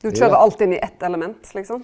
du køyrer alt inn i eitt element liksom.